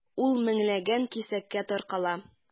Ул меңләгән кисәккә таркала.